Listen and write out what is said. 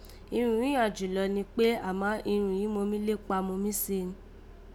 Irun yìí hàn jù lọ ní pé, àmá irun yìí mo mí lé kpa òghun mo mí se